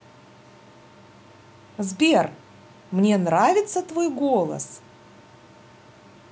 сбер мне нравится твой голос